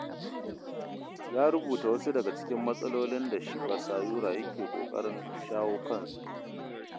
Ya rubuta wasu daga cikin matsalolin da Shipa Sayura yake ƙoƙarin shawo kansu.